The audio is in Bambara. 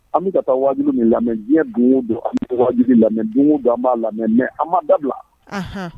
An bɛ ka taa wajibi ni lamɛn diɲɛ don an bɛjibi lamɛn don an b'a lamɛn mɛ an ma dabila